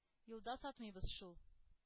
Юлда сатмыйбыз шул.